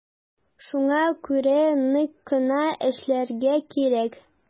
Шуңа күрә нык кына эшләргә кирәк.